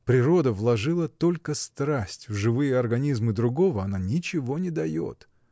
Природа вложила только страсть в живые организмы, другого она ничего не дает.